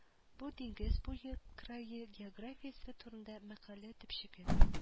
Бу Диңгез буе крае географиясе турында мәкалә төпчеге